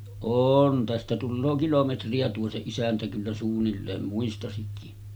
on tästä tulee kilometriä tuo se isäntä kyllä suunnilleen muistaisikin